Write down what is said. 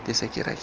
ayt desa kerak